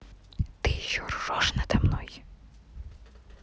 ты еще ржешь надо мной